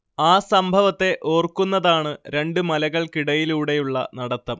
ആ സംഭവത്തെ ഓർക്കുന്നതാണ് രണ്ടു മലകൾക്കിടയിലൂടെയുള്ള നടത്തം